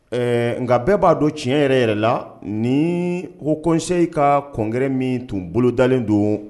Ɛɛ nka bɛɛ b'a dɔn tiɲɛ yɛrɛ yɛrɛ la ni haut conseil ka congrès min tun bolodalen don